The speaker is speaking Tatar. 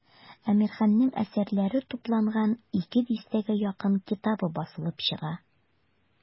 Әмирханның әсәрләре тупланган ике дистәгә якын китабы басылып чыга.